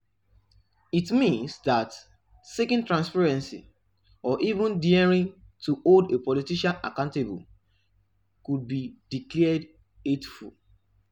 It means that seeking transparency or even daring to hold a politician accountable could be declared hateful.